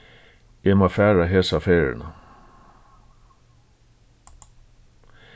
eg má fara hesa ferðina